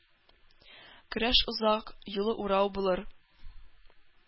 Көрәш озак, юлы урау булыр,